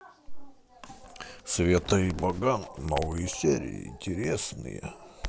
света и богдан новые серии интересные